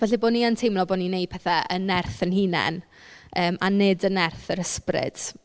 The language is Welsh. Falle bo' ni yn teimlo bo' ni'n wneud pethe yn nerth yn hunain yym a nid yn nerth yr ysbryd.